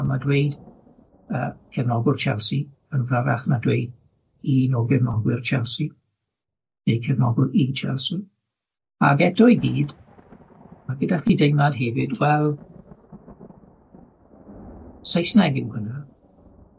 a ma' dweud yy cefnogwr Chelsea yn fyrrach na dweud un o gefnogwyr Chelsea, neu cefnogwr i Chelsea, ag eto i gyd ma' gyda chi deimlad hefyd wel Saesneg yw hwnna.